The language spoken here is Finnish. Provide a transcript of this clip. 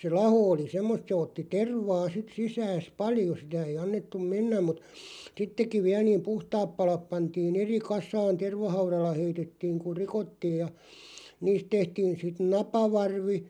se laho oli semmoista se otti tervaa sitten sisäänsä paljon sitä ei annettu mennä mutta sittenkin vielä niin puhtaat palat pantiin eri kasaan tervahaudalla heitettiin kun rikottiin ja niistä tehtiin sitten napavarvi